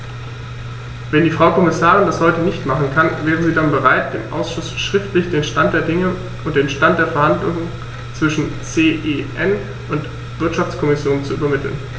Wenn die Frau Kommissarin das heute nicht machen kann, wäre sie dann bereit, dem Ausschuss schriftlich den Stand der Dinge und den Stand der Verhandlungen zwischen CEN und Wirtschaftskommission zu übermitteln?